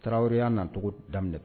Tarawele yya nacogo da